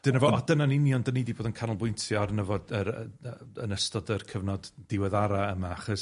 dyna fo... A dyna'n union 'dan ni 'di bod yn canolbwyntio arno fo yr yy yy yn ystod yr cyfnod diweddara yma, achos